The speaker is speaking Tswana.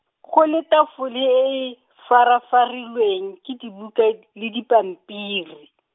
go le tafole e e, farafarilweng ke dibuka le dipampiri.